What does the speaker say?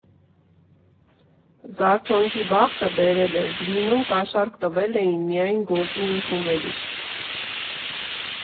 «Զարթոնքի» բախտը բերել էր՝ «Դվինում» կաշառք տվել էին միայն գործի ընդունվելուց։